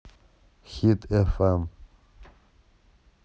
хит фм